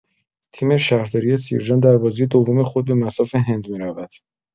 تیم شهرداری سیرجان در بازی دوم خود به مصاف هند می‌رود.